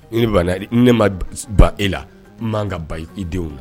Ni banna ne ma ba e la man ka ba i denw na